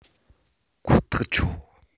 ཁོ ཐག ཆོད